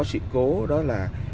có sự cố đó là